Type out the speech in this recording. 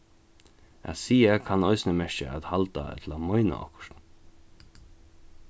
at siga kann eisini merkja at halda ella meina okkurt